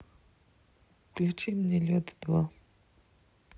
включи мне лед два